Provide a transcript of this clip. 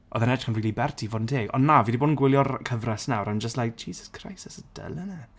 Oedd yn edrych yn rili bert i fod yn teg ond na fi di bod yn gwylio'r r- cyfres nawr yn jyst like "Jesus Christ this is dull innit?"